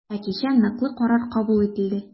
Ә кичә ныклы карар кабул ителде.